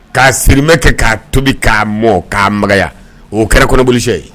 K'a sirimɛ kɛ k'a tobi k'a mɔ k'a maya o kɛra kɔnɔoli ye